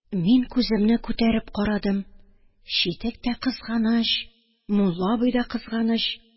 Мин күземне күтәреп карадым, читек тә кызганыч, мулла абый да кызганыч